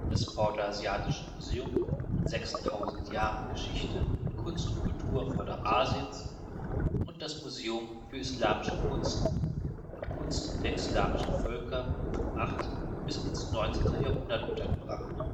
das Vorderasiatische Museum mit 6000 Jahren Geschichte, Kunst und Kultur Vorderasiens und das Museum für Islamische Kunst mit Kunst der islamischen Völker vom 8. bis ins 19. Jahrhundert untergebracht